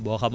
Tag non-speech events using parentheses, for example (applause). (hesitation) (hesitation)